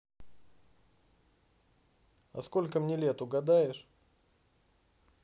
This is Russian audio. а сколько мне лет угадаешь